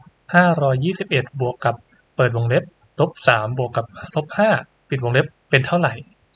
ห้าร้อยยี่สิบเอ็ดบวกกับเปิดวงเล็บลบสามบวกกับลบห้าปิดวงเล็บเป็นเท่าไหร่